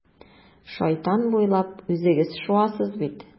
Шайтан буйлап үзегез шуасыз бит.